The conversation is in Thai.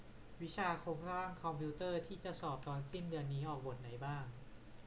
วิชาโครงสร้างคอมพิวเตอร์ที่จะสอบตอนสิ้นเดือนนี้ออกบทไหนบ้าง